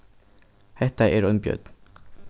hetta er ein bjørn